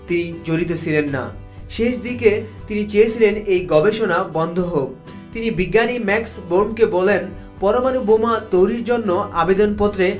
তিনি জড়িত ছিলেন না শেষ দিকে তিনি চেয়েছিলেন এই গবেষণা বন্ধ হোক তিনি বিজ্ঞানী ম্যাক্স বোনকে বললেন পরমাণু বোমা তৈরির জন্য আবেদন পত্রে